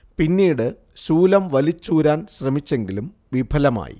പിന്നീട് ശൂലം വലിച്ചൂരാൻ ശ്രമിച്ചെങ്കിലും വിഫലമായി